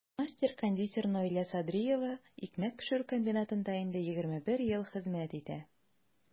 Мастер-кондитер Наилә Садриева икмәк пешерү комбинатында инде 21 ел хезмәт итә.